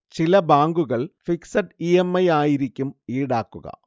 ചില ബാങ്കുകൾ fixed E. M. I ആയിരിക്കും ഈടാക്കുക